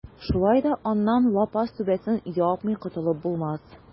Шулай да аннан лапас түбәсен япмый котылып булмас.